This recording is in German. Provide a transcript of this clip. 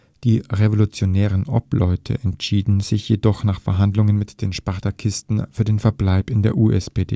Die „ Revolutionären Obleute “entschieden sich jedoch nach Verhandlungen mit den Spartakisten für den Verbleib in der USPD